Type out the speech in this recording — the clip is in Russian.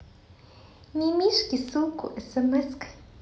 мимишки ссылку смской